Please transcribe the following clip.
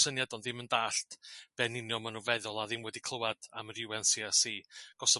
y syniad ond ddim yn dalld be yn union ma' n'w'n feddwl a ddim wedi cl'wad am yr iw en si ar si gosa bo'